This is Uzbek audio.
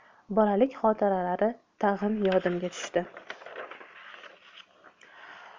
bolalik xotiralari tag'in yodimga tushdi